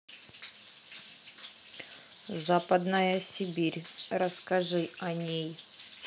западная сибирь расскажи о ней